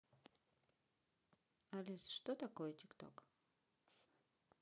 алиса что такое tiktok